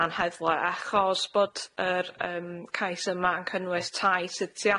anheddlau achos bod yr yym cais yma yn cynnwys tai sy tu